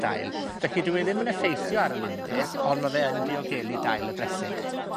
dail. Felly, dyw e ddim yn effeithio ar y lindys, ond ma' fe yn diogelu dail y bresych.